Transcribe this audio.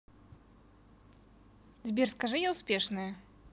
сбер скажи я успешная